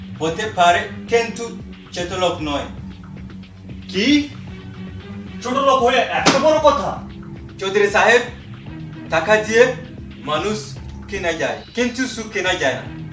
হতে পারি কিন্তু ছোট লোক নই কি ছোট লোক হয়ে এত বড় কথা চৌধুরী সাহেব টাকা দিয়ে মানুষ কেনা যায় কিন্তু সুখ কেনা যায় না